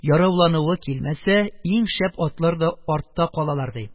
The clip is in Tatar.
Яраулануы килмәсә, иң шәп атлар да артта калалар, ди.